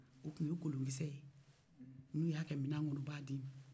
o tun ye kolokisɛ ye n'u y'a kɛ minɛn kɔnɔ u b'a d'i ma